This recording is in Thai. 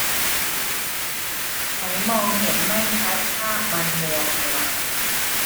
ฉันมองเห็นไม่ชัดภาพมันมัวมัว